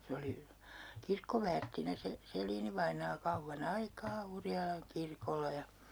se oli kirkkoväärtinä se Selin-vainaa kauan aikaa Urjalan kirkolla ja